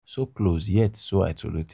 So close, yet so isolated